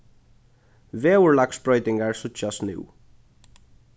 veðurlagsbroytingar síggjast nú